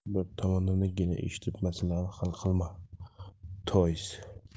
bir tomonnigina eshitib masalani hal qilma